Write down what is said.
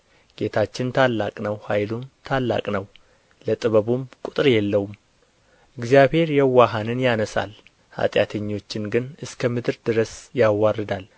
ጌታችን ታላቅ ነው ኃይሉም ታላቅ ነው ለጥበቡም ቍጥር የለውም እግዚአብሔር የዋሃንን ያነሣል ኃጢአተኞችን ግን እስከ ምድር ድረስ ያዋርዳል